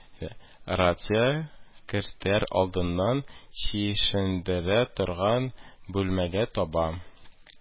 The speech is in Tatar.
Рациягә кертер алдыннан чишендерә торган бүлмәгә таба